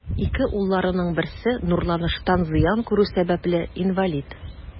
Ике улларының берсе нурланыштан зыян күрү сәбәпле, инвалид.